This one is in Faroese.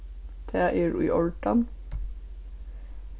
tað er í ordan